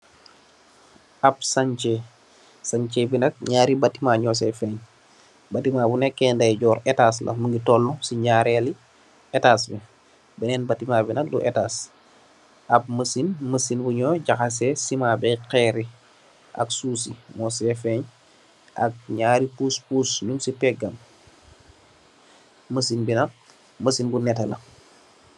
App sanchi sanchi bi nak nyari batima nyo seh fenj batima bu nekeh ndey jorr aatance la Mungi toloh sey nyareh li aatance bi benen batima bi nak du aatance app machine, machine bunyu jahaseh sema beh heri ak suuf sey moseh fenj ak nyarri puss puss mung sey pega bi machine binak machine bu neteh la.